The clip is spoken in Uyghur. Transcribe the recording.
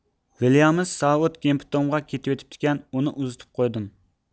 ۋىليامس سائۇتگېمپتونغا كېتىۋېتىپتىكەن ئۇنى ئۇزىتىپ قويدۇم